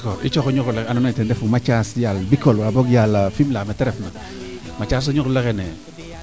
d' accord i cooxa ñuxrole oxe ando nayee ten refu Mathiase yaal bikor wala boog yaay Fimele mete refna Mathiase o ñuxrole xay xeene